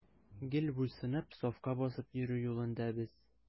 Гел буйсынып, сафка басып йөрү юлында без.